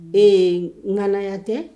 Ee n ŋanaya tɛ